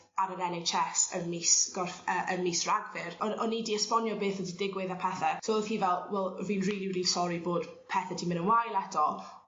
ar yr En Aitch Ess yn mis Gorff- yy yn mis Ragfyr o'n' o'n i 'di esbonio beth o' 'di digwydd a pethe so o'dd hi fel wel fi'n rili rili sori bod pethe 'di myn' yn wael eto